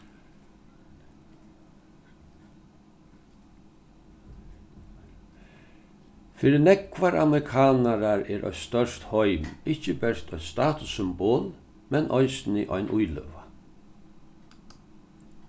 fyri nógvar amerikanarar er eitt stórt heim ikki bert eitt statussymbol men eisini ein íløga